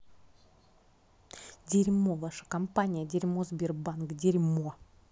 дерьмо ваша компания дерьмо сбербанк дерьмо